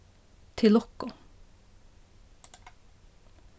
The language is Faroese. til lukku